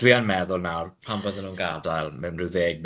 Dwi yn meddwl nawr, pan fydde nw'n gadel mewn ryw ddeg